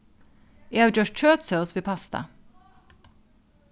eg havi gjørt kjøtsós við pasta